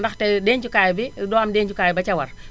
ndaxte dencukaay bi du am dencukaay ba ca war